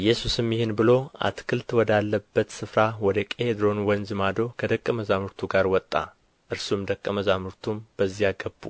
ኢየሱስም ይህን ብሎ አትክልት ወዳለበት ስፍራ ወደ ቄድሮን ወንዝ ማዶ ከደቀ መዛሙርቱ ጋር ወጣ እርሱም ደቀ መዛሙርቱም በዚያ ገቡ